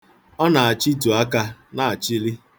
Ọ na-achịtu aka, na-achịlị.